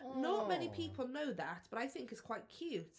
Not many people know that, but I think it's quite cute.